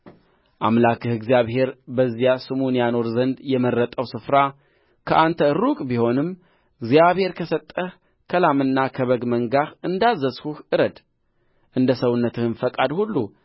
አምላክህ እግዚአብሔር በዚያ ስሙን ያኖር ዘንድ የመረጠው ስፍራ ከአንተ ሩቅ ቢሆንም እግዚአብሔር ከሰጠህ ከላምና ከበግ መንጋህ እንዳዘዝሁህ እረድ እንደ ሰውነትህም ፈቃድ ሁሉ